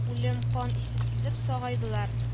Үлем-кан исе сизеп, сагайдылар